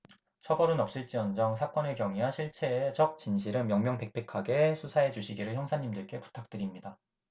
처벌은 없을지언정 사건의 경위와 실체적 진실은 명명백백하게 수사해주시기를 형사님들께 부탁드립니다